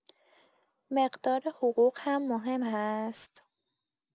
مقدار حقوق هم مهم هست؟